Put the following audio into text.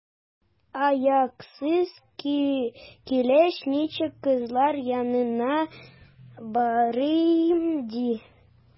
Аяксыз килеш ничек кызлар янына барыйм, ди?